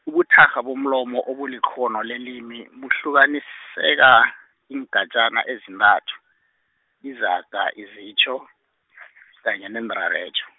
ubuthakgha bomlomo obulikghono lelimi, buhlukaniseka, iingatjana ezintathu, izaga, izitjho , kanye neenrarejo.